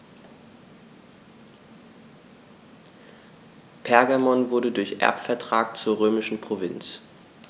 Pergamon wurde durch Erbvertrag zur römischen Provinz.